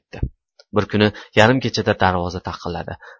bir kuni yarim kechada darvoza taqilladi